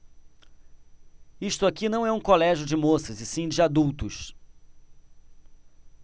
isto aqui não é um colégio de moças e sim de adultos